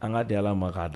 An ka di ala ma k'a